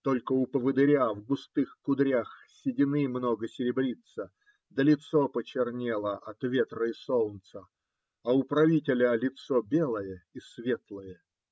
только у поводыря в густых кудрях седины много серебрится да лицо почернело от ветра и солнца, а у правителя лицо белое и светлое.